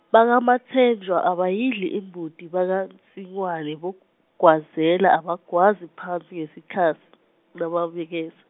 bakaMatsenjwa abayidli imbuti bakaNsingwane boGwazela abagwazi phansi ngesikhas- , nabamekeza.